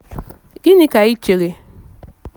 Gịnị ka ị chere?